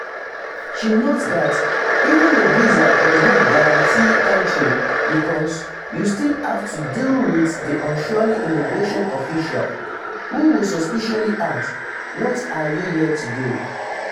She notes that even a visa does not guarantee entry because "you still have to deal with the surly immigration official who will suspiciously ask, ‘And what are you here to do?’"